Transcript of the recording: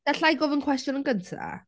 Galla i gofyn cwestiwn yn gyntaf?